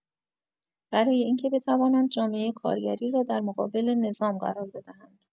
برای اینکه بتوانند جامعۀ کارگری را در مقابل نظام قرار بدهند.